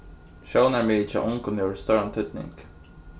sjónarmiðið hjá ungum hevur stóran týdning